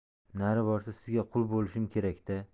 nari borsa sizga qul bo'lishim kerakda